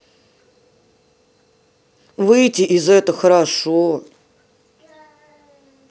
выйти из это хорошо